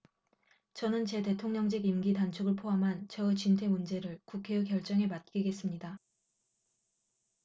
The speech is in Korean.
저는 제 대통령직 임기 단축을 포함한 저의 진퇴 문제를 국회의 결정에 맡기겠습니다